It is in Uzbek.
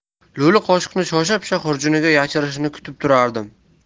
lo'li qoshiqni shosha pisha xurjuniga yashirishini kutib turardim